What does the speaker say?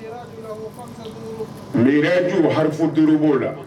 N yɛrɛj haf duuru b'o la